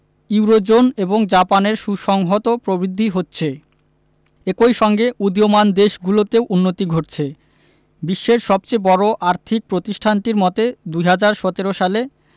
eurozone এবং জাপানের সুসংহত প্রবৃদ্ধি হচ্ছে একই সঙ্গে উদীয়মান দেশগুলোতেও উন্নতি ঘটছে বিশ্বের সবচেয়ে বড় আর্থিক প্রতিষ্ঠানটির মতে ২০১৭ সালে